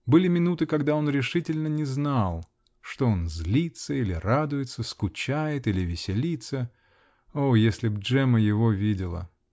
Были минуты, когда он решительно не знал: что он -- злится или радуется, скучает или веселится? О, если б Джемма его видела!